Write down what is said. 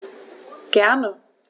Gerne.